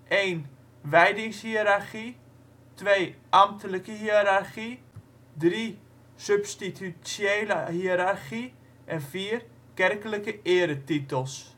in: Wijdingshiërarchie Ambtelijke hiërarchie Substitutiële hiërarchie Kerkelijke eretitels